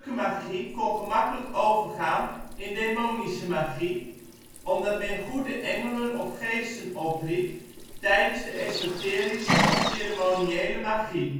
magie kon gemakkelijk overgaan in demonische magie, omdat men goede engelen of geesten opriep tijdens de esoterische of ceremoniële magie